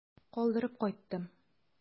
Калдырып кайттым.